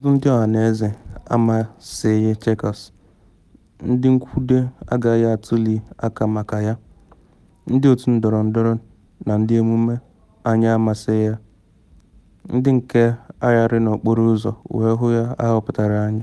‘Ọtụtụ ndị ọhaneze amasịghị Chequers, Ndị Nkwugide agaghị atuli aka maka ya, ndị otu ndọrọndọrọ na ndị mmume anyị amasịghi ya, ndị nke na agagharị n’okporo ụzọ wee hụ na ahọpụtara anyị.